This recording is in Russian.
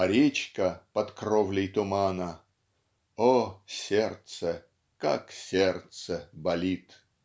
А речка под кровлей тумана. О, сердце! Как сердце болит!